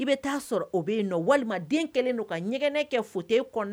I bɛ taaa sɔrɔ o bɛ yen nɔ walima den kɛlen don ka ɲɛgɛn kɛ kɔnɔ